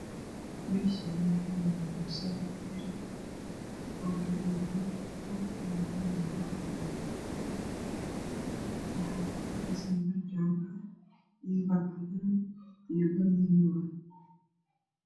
Meshani waxaa yala gabasaar iyo dirac oo gaduud ah dhulkuu yalana waa dhul cadan waxaa kul firdhisan bar jala iyo cab cadan ah iyo bar madoow ah